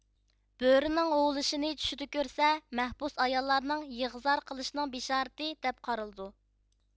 بۆرىنىڭ ھوۋلىشىنى چۈشىدە كۆرسە مەھبۇس ئاياللارنىڭ يېغا زار قىلىشىنىڭ بىشارىتى دەپ قارىلىدۇ